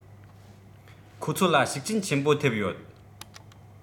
ཁོ ཚོ ལ ཤུགས རྐྱེན ཆེན པོ ཐེབས ཡོད